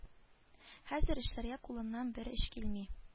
Хәзер эшләргә кулымнан бер эш килми